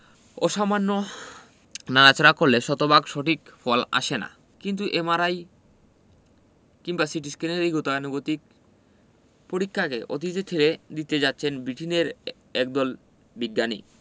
অসামান্য নাড়াচাড়া করলে শতভাগ সঠিক ফল আসে না কিন্তু এমআরআই কিংবা সিটিস্ক্যানের এই গতানুগতিক পরীক্ষাকে অতীতে ঠেলে দিতে যাচ্ছেন বিটেনের একদল বিজ্ঞানী